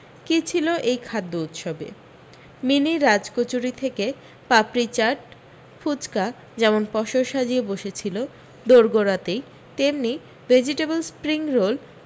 কী ছিল এই খাদ্য উৎসবে মিনি রাজকচুরি থেকে পাপড়ি চাট ফূচকা যেমন পসরা সাজিয়ে বসেছিল দোরগোড়াতেই তেমনি ভেজিটেবল স্প্রিং রোল